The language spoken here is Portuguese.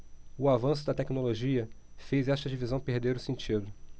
o avanço da tecnologia fez esta divisão perder o sentido